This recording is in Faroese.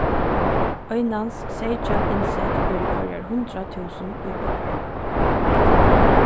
einans seytjan innsett fyri hvørjar hundrað túsund íbúgvar